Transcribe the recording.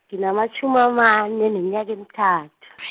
ginya matjhumi amane neminyaka emithathu .